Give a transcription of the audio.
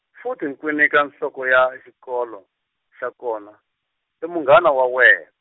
futhi Nkwinika nhloko ya xikolo, xa kona, i munghana wa we-.